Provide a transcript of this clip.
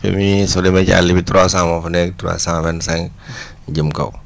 fi mu ne nii soo demee sa àll bi trois cent moo fa nekk trois cent vingt cinq jëm kaw